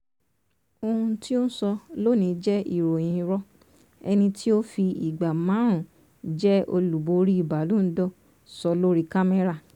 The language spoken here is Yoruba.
Ohun tí n sọ lónìí jẹ́, ìròyìn irọ̀,” Ẹni tí ó fi ìgbà márùn ún jẹ́ olùborí Ballon d'Or sọ lór’i kámẹ́rà.